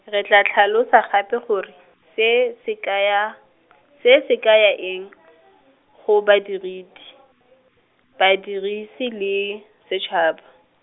re tla tlhalosa gape gore, se se kaya , se se kaya eng , go ba diriti, badirisi le, setshaba.